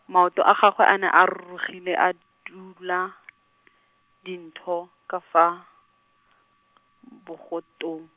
maoto a gagwe a ne a rurugile a dule , dintho, ka fa, bogatong.